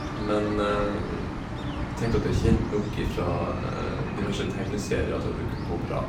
Men jeg tenkte at det er kjent nok ifra diverse tegneserier til at det kunne gå bra.